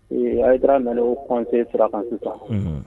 Ee a jira mɛn kɔnte sira kan sisan